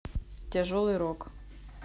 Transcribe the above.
тяжелый рок